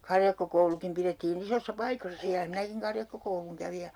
karjakkokoulukin pidettiin isoissa paikoissa siellä minäkin karjakkokoulun kävin ja